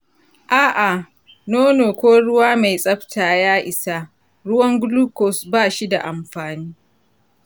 a'a, nono ko ruwa mai tsabta ya isa. ruwan glucose ba shi da amfani.